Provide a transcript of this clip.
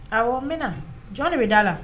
Awɔ n bɛ na. Jɔn de bi da la?